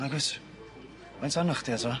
Nagwyt, faint arno chdi eto?